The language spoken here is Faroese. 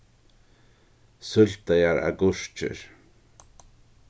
súltaðar agurkir